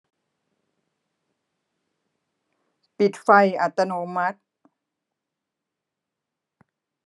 ปิดไฟอัตโนมัติ